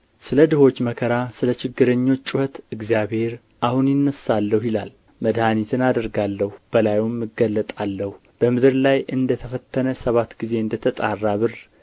ስለ ድሆች መከራ ስለ ችግረኞች ጩኸት እግዚአብሔር አሁን እነሣለሁ ይላል መድኃኒትን አደርጋለሁ በላዩም እገልጣለሁ በምድር ላይ እንደ ተፈተነ ሰባት ጊዜ እንደ ተጣራ ብር